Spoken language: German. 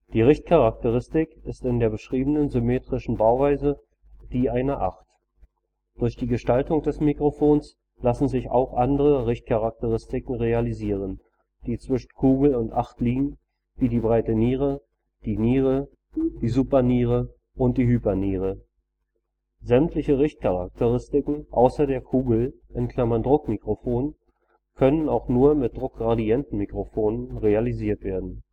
Die Richtcharakteristik ist in der beschriebenen symmetrischen Grundbauweise die einer Acht. Durch die Gestaltung des Mikrofons lassen sich auch andere Richtcharakteristiken realisieren, die zwischen Kugel und Acht liegen, wie die Breite Niere, die Niere, die Superniere und die Hyperniere. Sämtliche Richtcharakteristiken außer der Kugel (Druckmikrofon) können auch nur mit Druckgradientenmikrofonen realisiert werden